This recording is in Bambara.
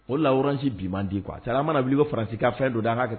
O laɔrɔnsi bi man di kuwa a cɛ an mana na'i bɔ fararansi k' fɛn don' an kan kɛ